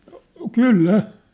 kyllä